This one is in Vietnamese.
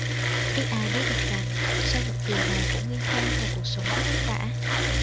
ít ai biết được rằng sau nụ cười này của nguyên khang là cuộc sống rất vất vả